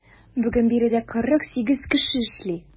Бүген биредә 48 кеше эшли.